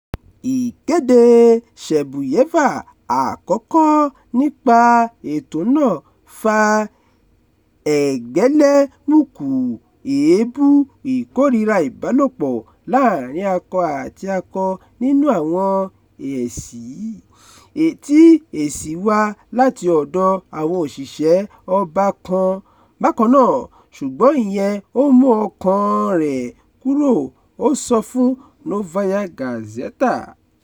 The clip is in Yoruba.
Ìkéde Shebuyeva àkọ́kọ́ nípa ètò náà fa ẹgbẹlẹmùkù èébú ìkórìíra-ìbálòpọ̀-láàárín-akọ́-àti-akọ nínú àwọn èsì, tí èsì sì wá láti ọ̀dọ̀ àwọn òṣìṣẹ́ ọba kan bákan náà, ṣùgbọ́n ìyẹn ò mú ọkàn-an rẹ̀ kúrò, ó sọ fún Novaya Gazeta.